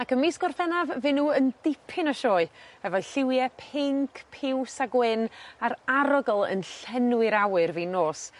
Ac ym mis Gorffennaf fy' n'w yn dipyn o sioe hefo'u lliwie pinc piws a gwyn a'r arogl yn llenwi'r awyr fin nos.